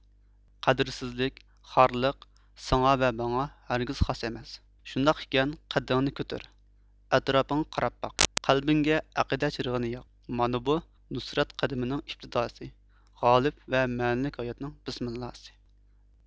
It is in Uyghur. قەدىرسىزلىك خارلىق ساڭا ۋە ماڭا ھەرگىز خاس ئەمەس شۇنداق ئىكەن قەددىڭنى كۆتۈر ئەتراپىڭغا قاراپ باق قەلبىڭگە ئەقىدە چىرىغىنى ياق مانا بۇ نۇسرەت قەدىمىنىڭ ئىپتىداسى غالىپ ۋە مەنىلىك ھاياتنىڭ بىسمىللاسى